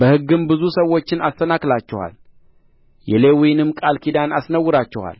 በሕግም ብዙ ሰዎችን አሰናክላችኋል የሌዊንም ቃል ኪዳን አስነውራችኋል